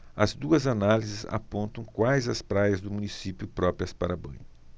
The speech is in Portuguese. as duas análises apontam quais as praias do município próprias para banho